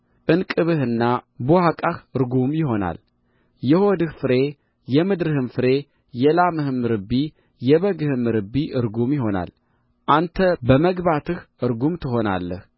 እንቅብህና ቡሃቃህ ርጉም ይሆናል የሆድህ ፍሬ የምድርህም ፍሬ የላምህም ርቢ የበግህም ርቢ ርጉም ይሆናል አንተ በመግባትህ ርጉም ትሆናለህ